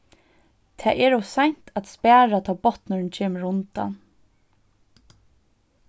tað er ov seint at spara tá botnurin kemur undan